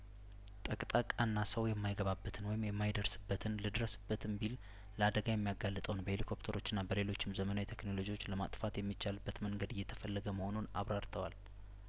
ጠቅ ጣቃና ሰው የማይገባበትን ወይም የማይደርስበትን ልድረስበትም ቢል ለአደጋ የሚያጋልጠውን በሂሊኮፕተ ሮችና በሌሎችም ዘመናዊ ቴክኖሎጂዎች ለማጥፋት የሚቻልበት መንገድ እየተፈለገ መሆኑን አብራርተዋል